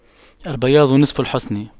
البياض نصف الحسن